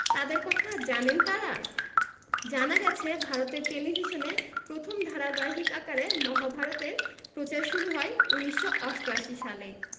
তাঁদের কথা জানেন তাঁরা জানা গেছে ভারতের টেলিভিশনে প্রথম ধারাবাহিক আকারে মহাভারত এর প্রচার শুরু হয় ১৯৮৮ সালে